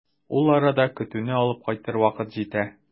Ул арада көтүне алып кайтыр вакыт җитә.